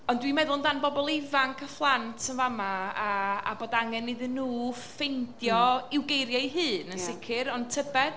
Ond dwi'n meddwl amdan bobl ifanc a phlant yn fama a a bod angen iddyn nhw ffeindio... m-hm. ...i'w geiriau eu hun yn... ia. ...sicr. Ond tybed...